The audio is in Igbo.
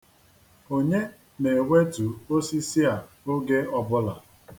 Onye na-ewetu osisi a oge ọbụla?